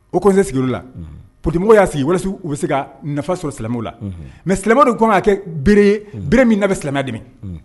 O nse sigi la pdimɔgɔ y'a sigi walasasiw u bɛ se ka nafa so silamɛ la mɛ silamɛ de tun'a kɛ bere min na bɛ silamɛ dɛmɛmi